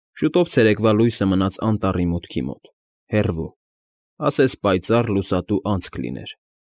Շուտով ցերեկվա լույսը մնաց անտառի մուտքի մոտ, հեռվում, ասես պայծառ լուսատու անցք լիներ։